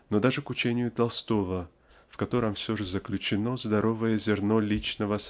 но даже к учению Толстого (в котором все же заключено здоровое зерно личного